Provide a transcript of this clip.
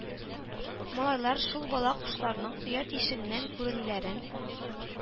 Малайлар шул бала кошларның оя тишегеннән күренүләрен